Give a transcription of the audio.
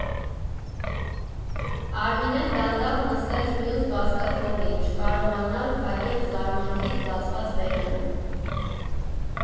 Արմինեն դանդաղ նստեց մյուս բազկաթոռին՝ չկարողանալ փակել զարմանքից բացված բերանը։